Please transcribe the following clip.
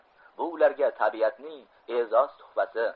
bu ularga tabiatning e'zoz tuhfasi